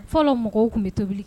Fɔlɔ mɔgɔw tun bɛ tobili